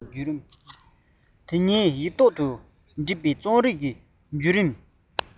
དེ ཉིད ཡིག ཐོག ཏུ བསྒྲིགས པའི རྩོམ རིག གི རྒྱུད རིམ ནི